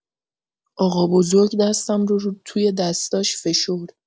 آقابزرگ دستم رو توی دست‌هاش فشرد.